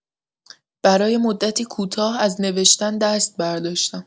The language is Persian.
برای مدتی کوتاه از نوشتن دست برداشتم